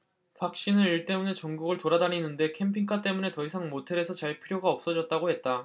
박씨는 일 때문에 전국을 돌아다니는데 캠핑카 때문에 더 이상 모텔에서 잘 필요가 없어졌다고 했다